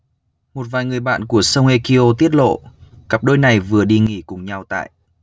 một vài người bạn của song hye kyo tiết lộ cặp đôi này vừa đi nghỉ cùng nhau tại